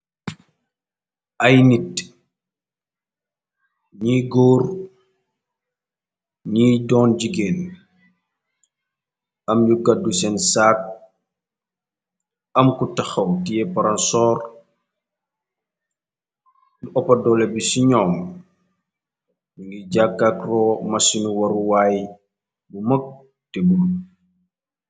ay nit ñiy góor ñiy doon jigéen am yu kaddu seen saak am ku taxaw tieparansor di oppar doole bi ci ñoom bi ngiy jàkkaak ro masinu waruwaay bu mëg te bul